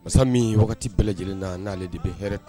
Masa min wagati bɛɛ lajɛlen na n'ale de bɛ hɛrɛ